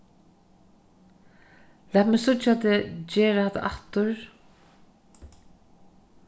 lat meg síggja teg gera hatta aftur